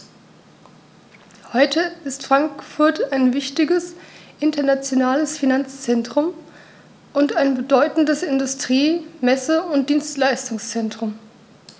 Heute ist Frankfurt ein wichtiges, internationales Finanzzentrum und ein bedeutendes Industrie-, Messe- und Dienstleistungszentrum.